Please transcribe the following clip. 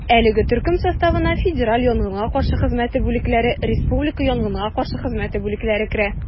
Әлеге төркем составына федераль янгынга каршы хезмәте бүлекләре, республика янгынга каршы хезмәте бүлекләре керә.